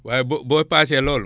waaye bo boo paasee loolu